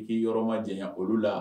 I k'i yɔrɔ ma diya olu la